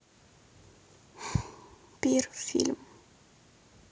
пир фильм